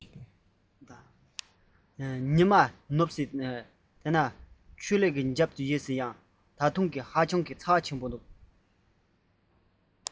ཉི མས ནུབ ཕྱོགས ཀྱི མཚམས སྤྲིན དམར པོའི ཆུ ལྷའི རྒྱབ ཏུ ཡལ ཟིན ཡང ཚ གདུག ཧ ཅང ཆེ